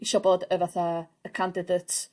isio bod y fatha y candidate